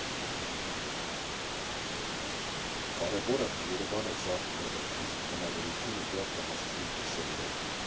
Կարևորը՝ Երևանը զարթնել է, իսկ բնավորությունը դեռ կհասցնի դրսևորել։